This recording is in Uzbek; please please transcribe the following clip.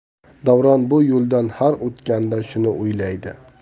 davron bu yo'ldan har o'tganida shuni o'ylaydi